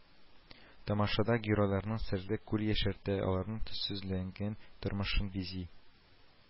Тамашада геройларны серле күл яшәртә, аларның төссезләнгән тормышын бизи